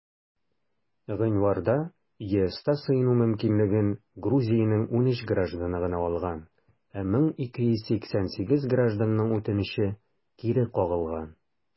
Гыйнварда ЕСта сыену мөмкинлеген Грузиянең 13 гражданы гына алган, ә 1288 гражданның үтенече кире кагылган.